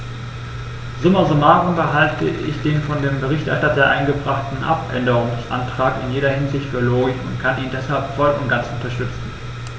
Summa summarum halte ich den von dem Berichterstatter eingebrachten Abänderungsantrag in jeder Hinsicht für logisch und kann ihn deshalb voll und ganz unterstützen.